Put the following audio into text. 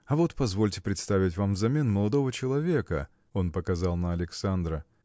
а вот позвольте представить вам взамен молодого человека. Он показал на Александра.